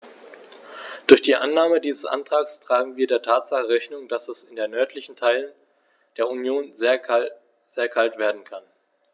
Durch die Annahme dieses Antrags tragen wir der Tatsache Rechnung, dass es in den nördlichen Teilen der Union sehr kalt werden kann.